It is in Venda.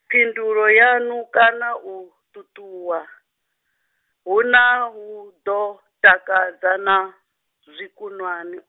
phindulo yaṋu kana u tutuwa, huna hu ḓo, takadza na, zwikunwane.